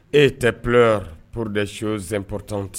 E tɛ p pourtes senprtew tɛ